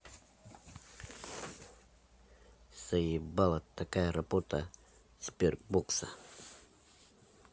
заебала такая работа сбербокса